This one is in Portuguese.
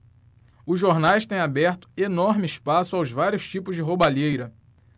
os jornais têm aberto enorme espaço aos vários tipos de roubalheira